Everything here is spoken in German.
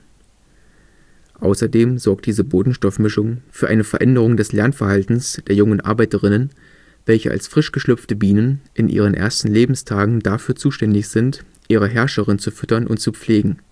Außerdem sorgt diese Botenstoffmischung für eine Veränderung des Lernverhaltens der jungen Arbeiterinnen, welche als frisch geschlüpfte Bienen in ihren ersten Lebenstagen dafür zuständig sind, ihre Herrscherin zu füttern und zu pflegen